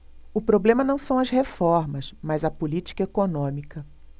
o problema não são as reformas mas a política econômica